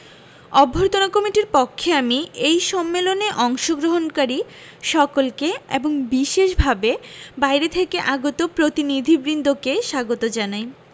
অভ্যর্থনা কমিটির পক্ষে আমি এই সম্মেলনে অংশগ্রহণকারী সকলকে এবং বিশেষভাবে বাইরে থেকে আগত প্রতিনিধিবৃন্দকে স্বাগত জানাই